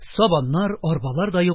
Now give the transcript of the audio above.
Сабаннар, арбалар да юк,